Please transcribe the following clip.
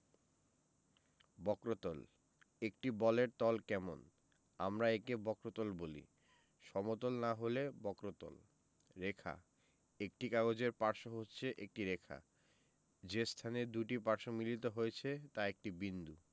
বক্রতলঃ একটি বলের তল কেমন আমরা একে বক্রতল বলি সমতল না হলে বক্রতল রেখাঃ একটি কাগজের পার্শ্ব হচ্ছে একটি রেখা যে স্থানে দুইটি পার্শ্ব মিলিত হয়েছে তা একটি বিন্দু